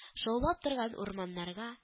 Шаулап торган урманнарга